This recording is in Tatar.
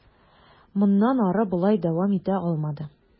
Моннан ары болай дәвам итә алмады.